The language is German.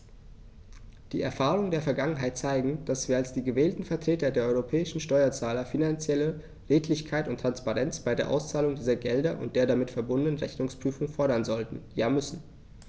Die Erfahrungen der Vergangenheit zeigen, dass wir als die gewählten Vertreter der europäischen Steuerzahler finanzielle Redlichkeit und Transparenz bei der Auszahlung dieser Gelder und der damit verbundenen Rechnungsprüfung fordern sollten, ja müssen.